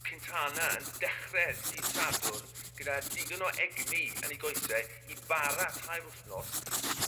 Quintana yn dechre dydd Sadwrn gyda digon o egni yn 'i goese i bara tair wthnos